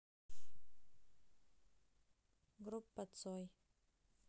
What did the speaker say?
группа цой